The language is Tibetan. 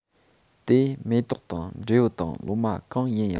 དེ མེ ཏོག དང འབྲས བུ དང ལོ མ གང ཡིན ཡང